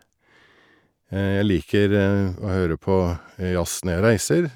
Jeg liker å høre på jazz når jeg reiser.